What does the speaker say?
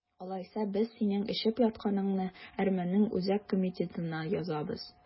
Алайса, без синең эчеп ятканыңны әрмәннең үзәк комитетына язабыз!